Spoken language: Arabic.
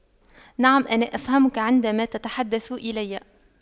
نعم انا أفهمك عندما تتحدث إلي